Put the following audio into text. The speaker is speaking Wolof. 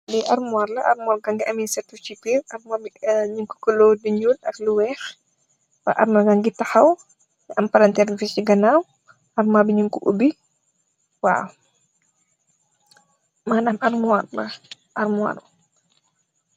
Lii almuwaar la, almuwaar baa ngi am séétu ci biir, am kuloor bu ñuul ak lu weex. Almuwaar baa ngi taxaw, am palanteer si ganaaw. Almuwaar bi ñung ko ubi. Waaw. Manaam almuwaar la.